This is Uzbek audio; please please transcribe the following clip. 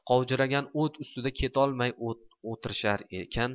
qovjiragan o't ustida ketolmay o'tirishar ekan